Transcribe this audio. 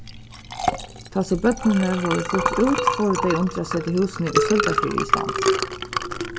tá so børnini vóru flutt út fóru tey undir at seta húsini í søldarfirði í stand